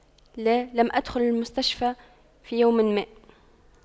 لا لم أدخل المستشفى في يوم ما